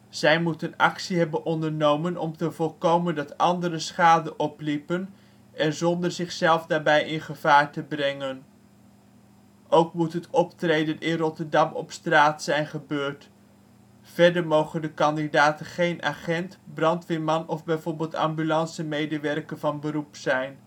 Zij moeten actie hebben ondernomen om te voorkomen dat anderen schade opliepen en zonder zichzelf daarbij in gevaar te brengen. Ook moet het optreden in Rotterdam op straat zijn gebeurd. Verder mogen de kandidaten geen agent, brandweerman of bijvoorbeeld ambulancemedewerker van beroep zijn